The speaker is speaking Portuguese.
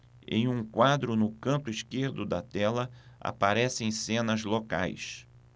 em um quadro no canto esquerdo da tela aparecem cenas locais